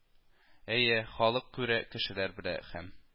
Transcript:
Әйе, халык күрә, кешеләр белә һәм